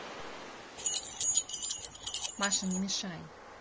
маша не мешай